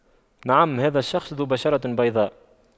نعم هذا الشخص ذو بشرة بيضاء